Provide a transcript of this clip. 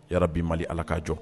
Yɛrɛ bi mali ala k ka jɔ